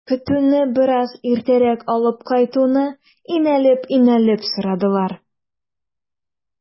Көтүне бераз иртәрәк алып кайтуны инәлеп-инәлеп сорадылар.